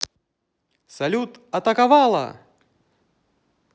салют атаковала